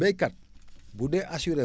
béykat bu dee assuré